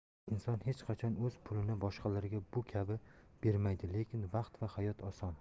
inson hech qachon o'z pulini boshqalarga bu kabi bermaydi lekin vaqt va hayot oson